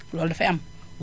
loolu dafay am